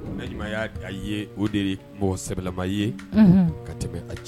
Ne'a' ye o de mɔgɔ sɛbɛnbɛla ye ka tɛmɛ a cɛ